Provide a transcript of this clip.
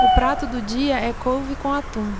o prato do dia é couve com atum